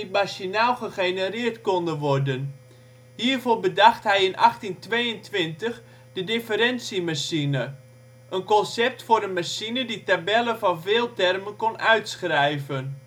machinaal gegenereerd konden worden. Hiervoor bedacht hij in 1822 de " differentiemachine "; een concept voor een machine die tabellen van veeltermen kon uitschrijven